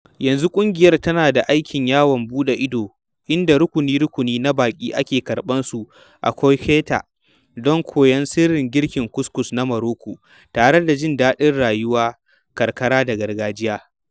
Yanzu ƙungiyar tana da aikin yawon buɗe ido inda rukuni-rukuni na baƙi ake karɓarsu a Khoukhate don koyon sirrin girkin couscous na Morocco, tare da jin daɗin rayuwar karkara ta gargajiya.